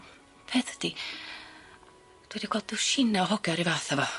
Peth ydi dwi di gweld dwsina o hogia ry fath a fo.